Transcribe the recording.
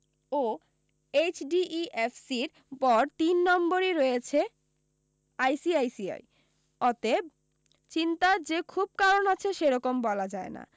ও এইচডিইফসির পর তিন নম্বরই রয়েছে আইসিআইসিআই অতএব চিন্তার যে খুব কারণ আছে সেরকম বলা যায় না